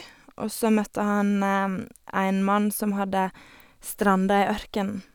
Og så møtte han en mann som hadde stranda i ørkenen.